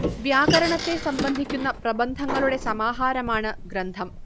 വ്യാകരണത്തെ സംബന്ധിക്കുന്ന പ്രബന്ധങ്ങളുടെ സമാഹാരമാണ് ഗ്രന്ഥം